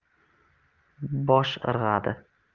bosh irg'adi